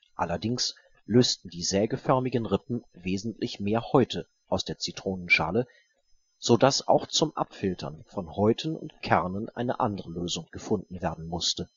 Allerdings lösten die sägeförmigen Rippen wesentlich mehr Häute aus der Zitronenschale, so dass auch zum Abfiltern von Häuten und Kernen eine andere Lösung gefunden werden musste